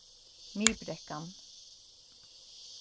miðbrekkan